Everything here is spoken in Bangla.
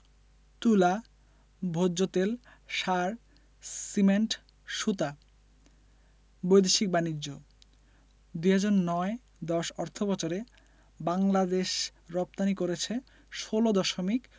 তুলা ভোজ্যতেল সার সিমেন্ট সুতা বৈদেশিক বাণিজ্যঃ ২০০৯ ১০ অর্থবছরে বাংলাদেশ রপ্তানি করেছে ১৬দশমিক